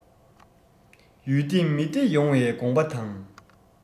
ཡུལ བདེ མི བདེ ཡོངས པའི དགོངས པ དང